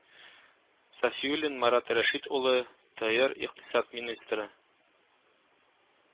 Сафиуллин Марат Рәшит улы тээр икътисад министры